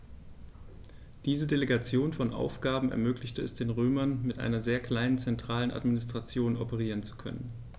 Diese Delegation von Aufgaben ermöglichte es den Römern, mit einer sehr kleinen zentralen Administration operieren zu können.